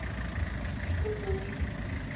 что значит